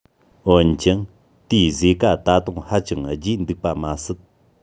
འོན ཀྱང དེའི ཟེ ཀ ད དུང ཧ ཅང རྒྱས འདུག པ མ ཟད